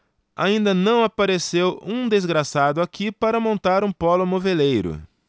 ainda não apareceu um desgraçado aqui para montar um pólo moveleiro